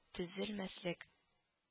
Төзәлмәслек